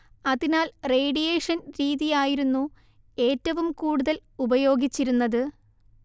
അതിനാൽ റേഡിയേഷൻ രീതിയായിരുന്നു ഏറ്റവും കൂടുതൽ ഉപയോഗിച്ചിരുന്നത്